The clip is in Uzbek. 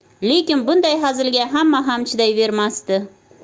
lekin bunday hazilga hamma ham chidayvermasdi